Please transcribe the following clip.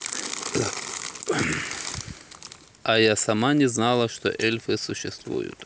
а я сама не знала что эльфы существует